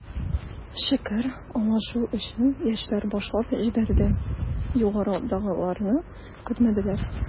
Шөкер, аңлашу эшен, яшьләр башлап җибәрде, югарыдагыларны көтмәделәр.